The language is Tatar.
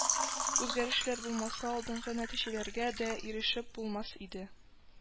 Үзгәрешләр булмаса, алдынгы нәтиҗәләргә дә ирешеп булмас иде